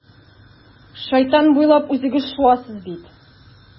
Шайтан буйлап үзегез шуасыз бит.